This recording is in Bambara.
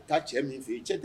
I taa cɛ min fɛ i cɛ da